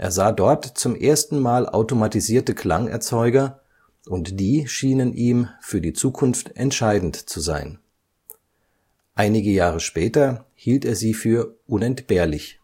sah dort zum ersten Mal automatisierte Klangerzeuger und die schienen ihm „ für die Zukunft entscheidend “zu sein – einige Jahre später hielt er sie für „ unentbehrlich